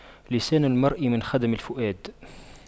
لسان المرء من خدم الفؤاد